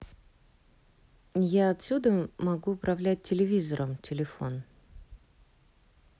я отсюда могу управлять телевизором телефон